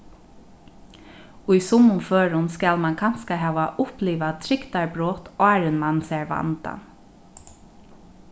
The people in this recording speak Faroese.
í summum førum skal mann kanska hava upplivað trygdarbrot áðrenn mann sær vandan